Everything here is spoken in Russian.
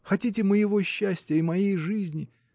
хотите моего счастья и моей жизни?